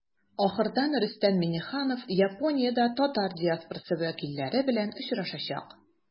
Ахырдан Рөстәм Миңнеханов Япониядә татар диаспорасы вәкилләре белән очрашачак.